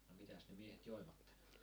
no mitäs ne miehet joivat